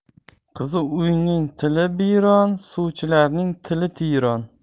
qizli uyning tili biyron sovchilarning tili tiyron